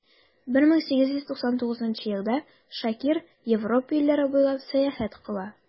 1899 елда шакир европа илләре буйлап сәяхәт кыла.